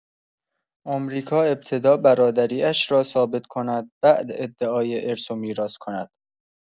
آمریکا ابتدا برادری‌اش را ثابت کند، بعد ادعای ارث و میراث کند.